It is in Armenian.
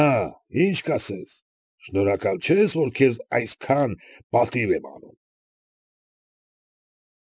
Աա՛, ի՞նչ կասես, շնորհակալ չե՞ս, որ քեզ այսքան պատիվ եմ անում։